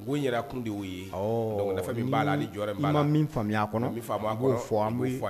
Ko yɛrɛ kun y ye b'a jɔ min faamuya